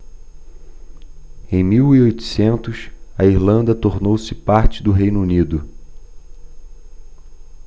em mil e oitocentos a irlanda tornou-se parte do reino unido